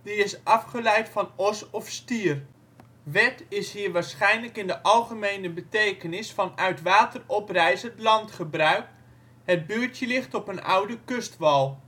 is afgeleid van os of stier. Werd is hier waarschijnlijk in de algemene betekenis van uit water oprijzend land gebruikt, het buurtje ligt op een oude kustwal